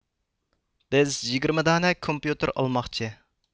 بىز يىگىرمە دانە كومپيۇتېر ئالماقچى